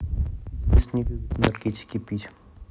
денис не любит энергетики пить